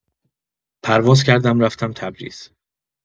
پرواز کردم رفتم تبریز.